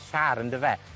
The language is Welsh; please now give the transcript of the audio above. siar, ondife?